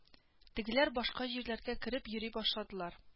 Тегеләр башка җирләргә кереп йөри башладылар